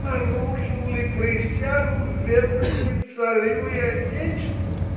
— Нарушил ли присягу в верности царю и отечеству?